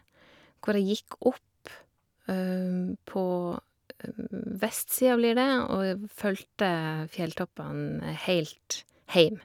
Hvor jeg gikk opp på vestsida, blir det, og ev fulgte fjelltoppene heilt heim.